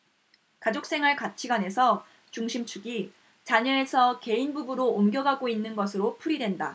가족생활 가치관에서 중심축이 자녀에서 개인 부부로 옮겨가고 있는 것으로 풀이된다